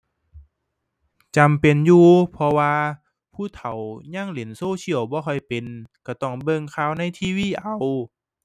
จำเป็นอยู่ เพราะว่า ผู้เฒ่ายังเล่นโซเชียลบ่ค่อยเป็น ก็ต้องเบิ่งข่าวใน TV เอา